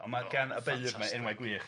Ond ma' gan y beirdd mae enwau gwych.